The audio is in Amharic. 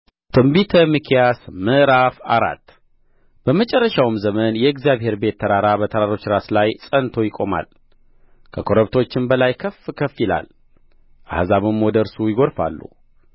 ትንቢተ ሚክያስ ምዕራፍ አራት በመጨረሻውም ዘመን የእግዚአብሔር ቤት ተራራ በተራሮች ራስ ላይ ጸንቶ ይቆማል ከኮረብቶችም በላይ ከፍ ከፍ ይላል አሕዛብም ወደ እርሱ ይጐርፋሉ